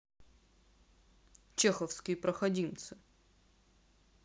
чеховские проходимцы